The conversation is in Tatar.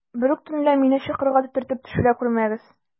Берүк төнлә мине чокырга төртеп төшерә күрмәгез.